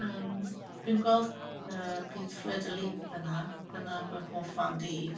Yym, fi'n gweld, yy, bydd Fleur de Lys yna. Dyna fy hoff fand i.